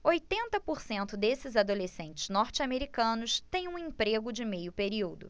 oitenta por cento desses adolescentes norte-americanos têm um emprego de meio período